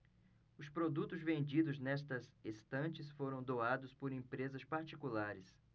os produtos vendidos nestas estantes foram doados por empresas particulares